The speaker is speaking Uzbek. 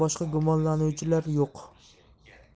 boshqa gumonlanuvchilar yo'q